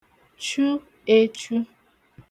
chu ēchū